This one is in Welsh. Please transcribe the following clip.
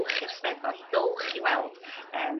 Dowch i'r steddfod dowch i weld yym